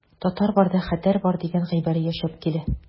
Татар барда хәтәр бар дигән гыйбарә яшәп килә.